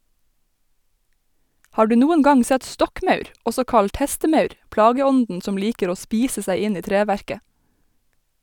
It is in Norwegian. Har du noen gang sett stokkmaur, også kalt hestemaur , plageånden som liker å spise seg inn i treverket?